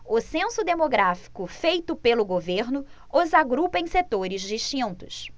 o censo demográfico feito pelo governo os agrupa em setores distintos